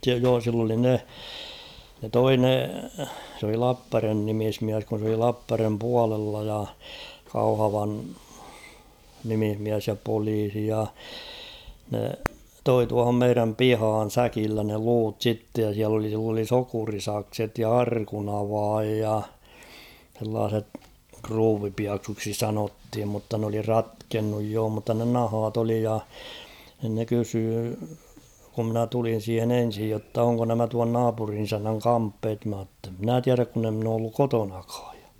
joo sillä oli ne ne toi ne se oli Lappajärven nimismies kun se oli Lappajärven puolella ja Kauhavan nimismies ja poliisi ja ne toi tuohon meidän pihaan säkillä ne luut sitten ja siellä oli sillä oli sokerisakset ja arkunavain ja sellaiset kruuvipieksuiksi sanottiin mutta ne oli ratkennut joo mutta ne nahat oli ja niin ne kysyi kun minä tulin siihen ensin jotta onko nämä tuon naapurin isännän kamppeet minä ett en minä tiedä kun en minä ole ollut kotonakaan ja